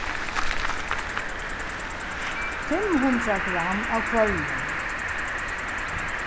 fimm hundrað gramm av hvørjum